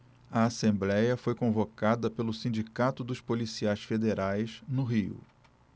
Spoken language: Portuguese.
a assembléia foi convocada pelo sindicato dos policiais federais no rio